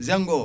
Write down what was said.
zingue o